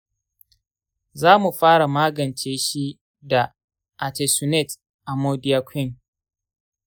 za mu fara magance shi da artesunate‑amodiaquine.